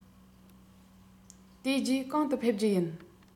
དེ རྗེས གང དུ ཕེབས རྒྱུ ཡིན